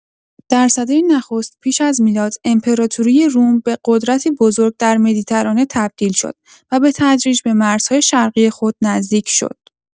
در سده نخست پیش از میلاد، امپراتوری روم به قدرتی بزرگ در مدیترانه تبدیل شد و به‌تدریج به مرزهای شرقی خود نزدیک شد.